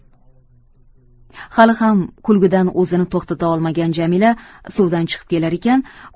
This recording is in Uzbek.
hali ham kulgidan o'zini to'xtata olmagan jamila suvdan chiqib kelar ekan